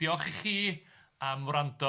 Diolch i chi am wrando.